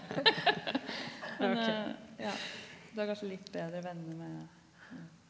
men ja du er kanskje litt bedre venner med.